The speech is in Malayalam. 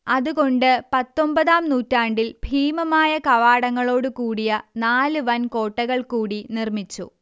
അത് കൂടാതെ പത്തൊമ്പതാം നൂറ്റാണ്ടിൽ ഭീമമായ കവാടങ്ങളോട് കൂടിയ നാല് വൻ കോട്ടകൾ കൂടി നിർമിച്ചു